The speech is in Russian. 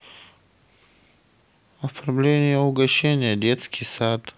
оформление угощения детский сад